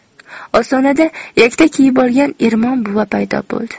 ostonada yaktak kiyib olgan ermon buva paydo bo'ldi